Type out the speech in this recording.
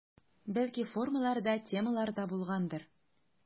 Бәлки формалар да, темалар да булгандыр.